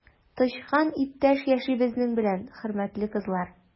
Тычкан иптәш яши безнең белән, хөрмәтле кызлар!